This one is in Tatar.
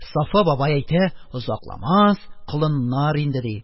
Сафа бабай әйтә, озакламас колынлар инде, ди